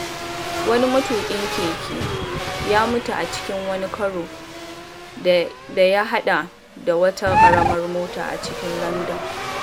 Wani matuƙin keke ya mutu a cikin wani karo da ya haɗa da wata ƙaramar mota a cikin Landan.